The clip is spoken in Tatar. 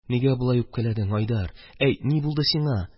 Нигә болай үпкәләдең, Айдар? Әйт, ни булды сиңа?